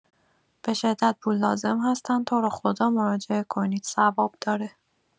به‌شدت پول لازم هستن، تروخدا مراجعه کنید ثواب داره.